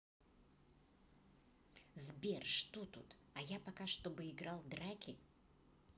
сбер что тут а я пока чтобы играл драки